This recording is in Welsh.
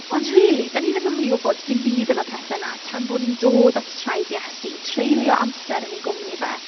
Ond rili dan ni ddim yn mynd i wybod dim byd am y pethau 'na tan bod ni'n dod at traed Iesu. Treulio amser yn ei gwmni fe.